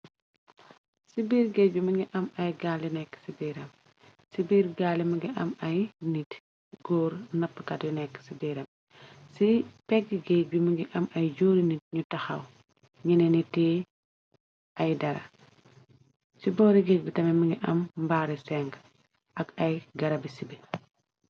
Ci biir géej bi mu ngi am ay gaali nekk ci biir gaale mangi am ay nit gór nappkat yu nekk ci diirab ci pégg géej bi më ngi am ay jóoru nit ñu taxaw ñene nitee ay dara ci boore géet bi tame ma ngi am mbaare seng ak ay garabi sibé.